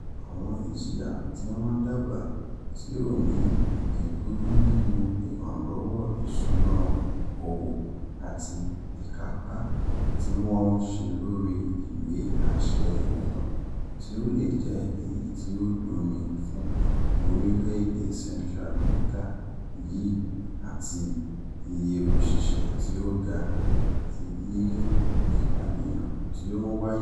Àwọn ìjìyà tí wọ́n dábàá, tí ó ní ìgékúrú nínú ìrànlọ́wọ́ ìṣúnná owó àti ìkápá tí wọ́n ń ṣe lórí ìwé àṣẹ ìrìnnà, tí ò lè jẹ́ èyí tí ó dùn ni fún orílẹ̀-èdè Central America yìí àti iye òṣìṣẹ́ tí ó ga àti iye ìpànìyàn tí ó ń wáyé.